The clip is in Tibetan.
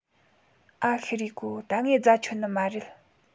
ཨ ཤི རེ ཁོ ད ངས རྫ ཆོད ནི མ རེད